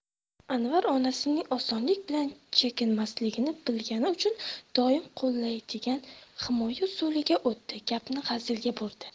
anvar onasining osonlik bilan chekinmasligini bilgani uchun doim qo'llaydigan himoya usuliga o'tdi gapni hazilga burdi